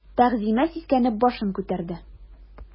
Тәгъзимә сискәнеп башын күтәрде.